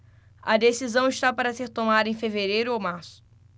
a decisão está para ser tomada em fevereiro ou março